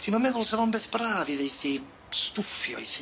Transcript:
Ti'm yn meddwl sa fo'n beth braf i ddeuthu stwffio i thŷ?